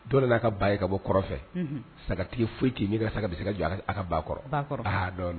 Dɔ nana n'a ka ba ka bɔ kɔrɔn fɛ. Unhun. Sagatigi foyi tɛ yen min ka saga se ka jɔ a ka ba kɔrɔ. Ba kɔrɔ. Aa non, non _.